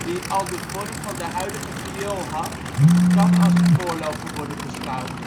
die al de vorm van de huidige viool had, kan als een voorloper worden beschouwd